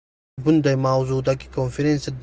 chunki bunday mavzudagi konferensiya